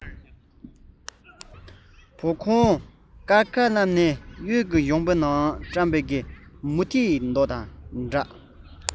བོད ཁང དཀར པོ རྣམས ནི གཡུའི གཞོང པའི ནང བཀྲམ པའི མུ ཏིག རྡོག པོ རེ རེ དང འདྲ